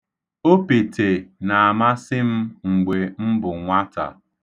Opete na-amasị m mgbe m bụ nwata.